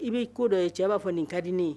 I b'i ko dɔ ye cɛ b'a fɔ nin ka di ne ye